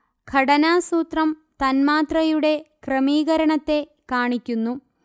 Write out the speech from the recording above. ഘടനാസൂത്രം തന്മാത്രയുടെ ക്രമീകരണത്തെ കാണിക്കുന്നു